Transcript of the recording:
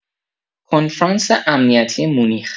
کنفرانس امنیتی مونیخ